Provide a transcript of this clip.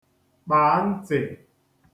kpàa ntị